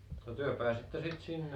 no te pääsitte sitten sinne